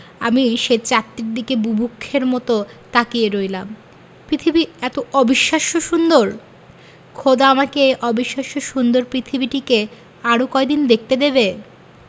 আমি সেই চাঁদটির দিকে বুভুক্ষের মতো তাকিয়ে রইলাম পৃথিবী এতো অবিশ্বাস্য সুন্দর খোদা আমাকে এই অবিশ্বাস্য সুন্দর পৃথিবীটিকে আরো কয়দিন দেখতে দেবে